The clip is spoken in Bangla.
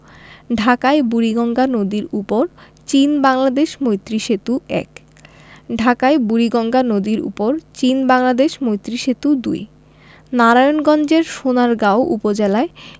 ঢাকায় বুড়িগঙ্গা নদীর উপর চীন বাংলাদেশ মৈত্রী সেতু ১ ঢাকায় বুড়িগঙ্গা নদীর উপর চীন বাংলাদেশ মৈত্রী সেতু ২ নারায়ণগঞ্জের সোনারগাঁও উপজেলায়